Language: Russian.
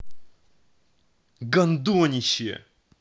гандонище